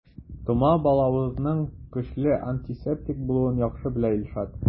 Тома балавызның көчле антисептик булуын яхшы белә Илшат.